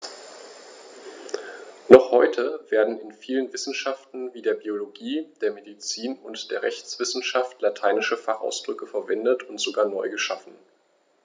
Noch heute werden in vielen Wissenschaften wie der Biologie, der Medizin und der Rechtswissenschaft lateinische Fachausdrücke verwendet und sogar neu geschaffen.